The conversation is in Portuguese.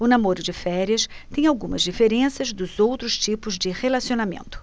o namoro de férias tem algumas diferenças dos outros tipos de relacionamento